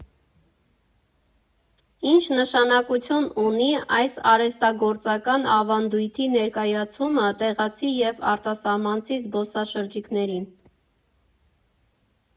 Ի՞նչ նշանակություն ունի այս արհեստագործական ավանդույթի ներկայացումը տեղացի և արտասահմանցի զբոսաշրջիկներին։